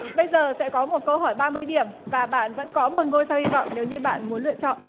bây giờ sẽ có một câu hỏi ba mươi điểm và bạn vẫn có một ngôi sao hy vọng nếu như bạn muốn lựa chọn